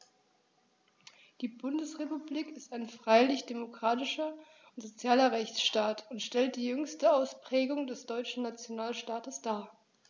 Die Bundesrepublik ist ein freiheitlich-demokratischer und sozialer Rechtsstaat und stellt die jüngste Ausprägung des deutschen Nationalstaates dar.